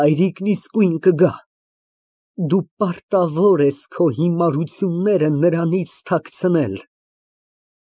Հայրիկն իսկույն կգա։ Դու պատրաստ ես քո հիմարությունները թաքցնել նրանից։